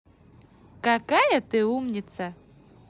какая ты умница